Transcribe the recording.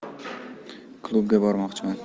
klubga bormoqchiman